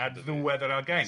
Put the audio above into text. At ddwedd yr ail gainc.